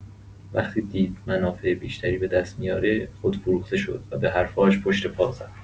وقتی دید منافع بیشتری به دست میاره، خودفروخته شد و به حرفاش پشت پا زد.